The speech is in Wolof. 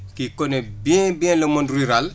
qui connait bien bien le monde rural